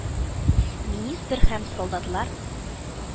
Министр һәм солдатлар: